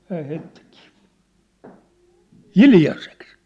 hän heittikin hiljaiseksi